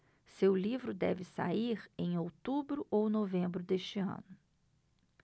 seu livro deve sair em outubro ou novembro deste ano